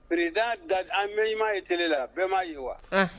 Biered da an bɛmaa ye t la bɛɛ' ye wa